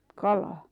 kalaan